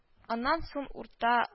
Аннан сон Урта